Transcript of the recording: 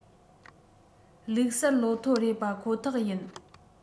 ལུགས གསར ལོ ཐོ རེད པ ཁོ ཐག ཡིན